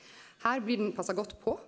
her blir den passa godt på.